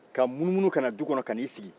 ka munumunu ka na du kɔnɔ ka n'i sigi